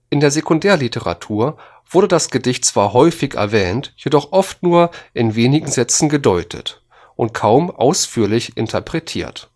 In der Sekundärliteratur wurde das Gedicht zwar häufig erwähnt, jedoch oft nur in wenigen Sätzen gedeutet und kaum ausführlich interpretiert